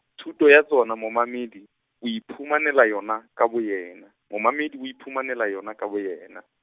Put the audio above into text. thuto ya tsona momamedi, o iphumanela yona ka bo yena, momamedi o iphumanela yona ka boyena.